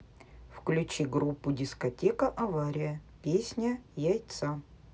включи группу дискотека авария песня яйца